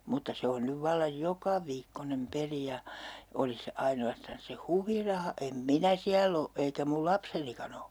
mutta se on nyt vallan jokaviikkoinen peli ja olisi se ainoastaan se huviraha en minä siellä ole eikä minun lapsenikaan ole